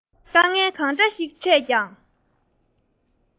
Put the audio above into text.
དཀའ ངལ གང འདྲ ཞིག ཕྲད ཀྱང